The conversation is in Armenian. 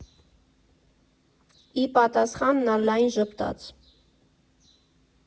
Ի պատասխան նա լայն ժպտաց.